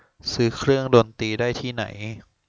ซื้อเครื่องดนตรีได้ที่ไหน